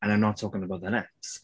And I'm not talking about the lips.